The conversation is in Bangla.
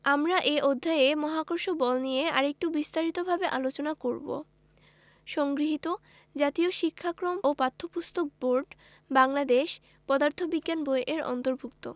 আমরা এই অধ্যায়ে মহাকর্ষ বল নিয়ে আরেকটু বিস্তারিতভাবে আলোচনা করব সংগৃহীত জাতীয় শিক্ষাক্রম ও পাঠ্যপুস্তক বোর্ড বাংলাদেশ পদার্থ বিজ্ঞান বই এর অন্তর্ভুক্ত